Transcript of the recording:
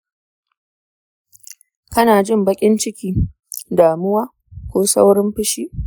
kana jin baƙin ciki, damuwa, ko saurin fushi?